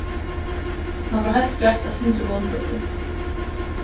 hann var heilt greitt eitt sindur vónbrotin